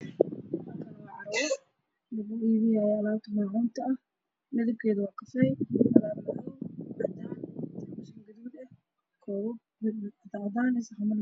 Waa meel lagu iibinayo allab ta macuunta ah